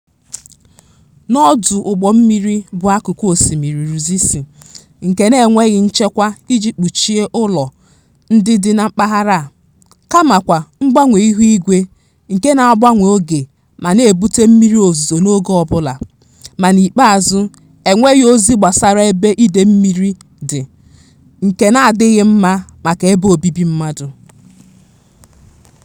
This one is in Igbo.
N'ọdụ ụgbọmmiri bụ akụkụ osimiri Rusizi nke n'enweghị nchekwa iji kpuchie ụlọ ndị dị na mpaghara a; kamakwa mgbanwe ihuigwe, nke na-agbanwe oge ma na-ebute mmiri ozuzo n'oge ọbụla; ma, n'ikpeazụ, enweghị ozi gbasara ebe ide mmiri dị nke n'adịghị mma maka ebe obibi mmadụ.